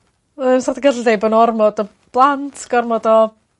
Wel sa ti gallu deud bo' 'na ormod o blant gormod o